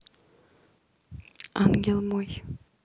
ангел мой